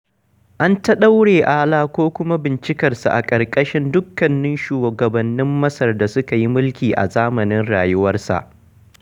An ta ɗaure Alaa ko kuma bincikarsa a ƙarƙashin dukkanin shugabannin Masar da suka yi mulki a zamanin rayuwarsa.